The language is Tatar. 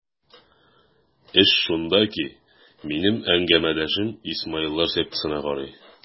Эш шунда ки, минем әңгәмәдәшем исмаилләр сектасына карый.